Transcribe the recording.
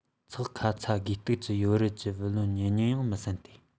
ཚེག ཁ ཚ དགོས གཏུགས ཀྱི ཡོ རོབ ཀྱི བུ ལོན ཉམས ཉེན ཡང མི སྲིད དེ